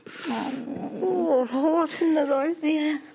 O. Ww yr holl flynyddoedd. Ie.